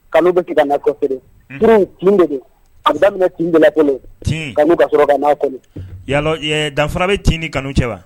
Kanu bɛ kina kɔfɛ furu tin de don, a bi daminɛ tin de la fɔlɔ, tiin, kanu ka sɔrɔ kana a kɔnɔ, et alors danfara bɛ kanu ni fura cɛ wa ?